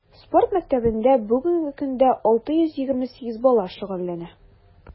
Спорт мәктәбендә бүгенге көндә 628 бала шөгыльләнә.